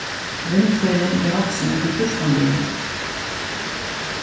vindferðin er vaksin upp í frískan vind